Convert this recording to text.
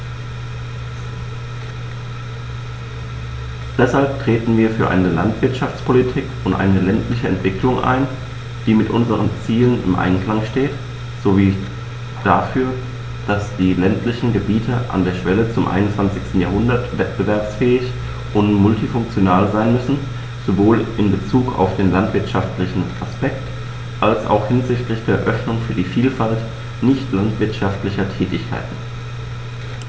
Deshalb treten wir für eine Landwirtschaftspolitik und eine ländliche Entwicklung ein, die mit unseren Zielen im Einklang steht, sowie dafür, dass die ländlichen Gebiete an der Schwelle zum 21. Jahrhundert wettbewerbsfähig und multifunktional sein müssen, sowohl in bezug auf den landwirtschaftlichen Aspekt als auch hinsichtlich der Öffnung für die Vielfalt nicht landwirtschaftlicher Tätigkeiten.